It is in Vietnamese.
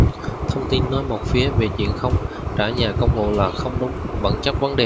thông tin nói một phía về chuyện không trả nhà công vụ là không đúng bản chất vấn đề